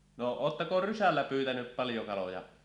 no oletteko rysällä pyytänyt paljon kaloja